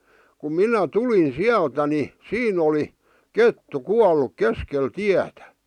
kun minä tulin sieltä niin siinä oli kettu kuollut keskellä tietä